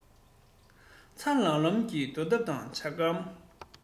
ཚ ལམ ལམ གྱི རྡོ ཐབ དང ཇ སྒམ